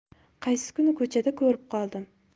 qaysi kuni ko'chada ko'rib qoldim